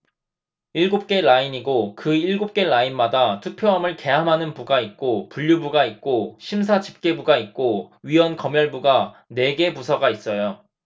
일곱 개 라인이고 그 일곱 개 라인마다 투표함을 개함하는 부가 있고 분류부가 있고 심사집계부가 있고 위원검열부가 네 개 부서가 있어요